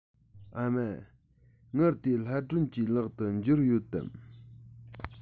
ཨ མ དངུལ དེ ལྷ སྒྲོན གྱི ལག ཏུ འབྱོར ཡོད དམ